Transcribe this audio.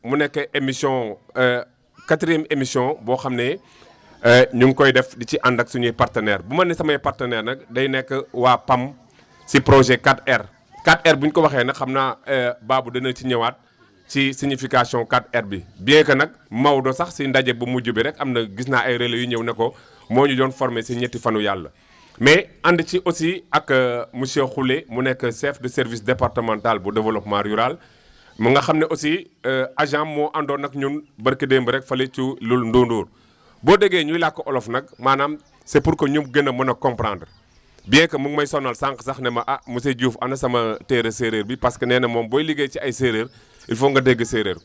mu nekk émission quatrième émission boo xam ne ñu ngi koy def di ci ànd ak suñuy partenaires bu ma nee samay partenaires nag day nekk waa PAM si projet 4R 4R bu ñu ko waxee nag xam naa Babou dina ci ñëwaat si signification 4R bi bien que nag Maodo sax si ndaje bu mujj bi rek am na gis naa ay relais yu ñëw ne ko moo ñu doon formé si ñetti fanu yàlla mais ànd ci aussi ak monsieur Khoule mu nekk chef de service départemental bu développement rural mu nga xam ne aussi agent am moo àndoon ak ñun barki démb rek fële ci Loul Ndoundour boo déggee ñuy lakk olof nag maanaam c' est pour que ñu gën a mën a comprendre bien que mu ngi may sonal sànq sax ne ma ah monsieur Diouf ana sama téere séeréer bi parce que nee na moom booy liggéey ci ay séeréer il faut nga dégg séeréer